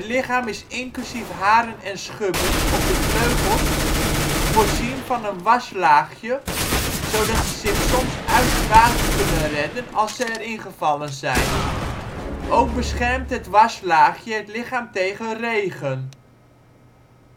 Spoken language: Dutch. lichaam is inclusief haren en schubben op de vleugels voorzien van een waslaagje zodat ze zich soms uit het water kunnen redden als ze erin gevallen zijn. Ook beschermt het waslaagje het lichaam tegen regen.